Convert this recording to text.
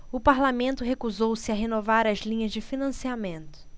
o parlamento recusou-se a renovar as linhas de financiamento